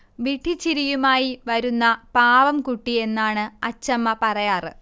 വിഡ്ഢിച്ചിരിയുമായി വരുന്ന പാവംകുട്ടി എന്നാണ് അച്ഛമ്മ പറയാറ്